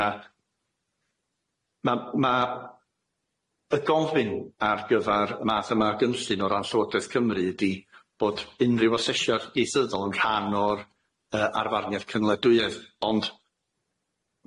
â, ma' ma' y gofyn ar gyfar y math yma o gynllun o ran Llywodraeth Cymru ydi bod unrhyw asesiad ieithyddol yn rhan o'r yy arfarniaeth cynledwyaidd ond